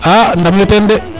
a ndam yo ten de